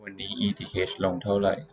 วันนี้อีทีเฮชลงเท่าไหร่